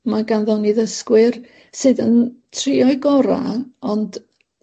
ma' ganddon ni ddysgwyr sydd yn trio'u gora' ond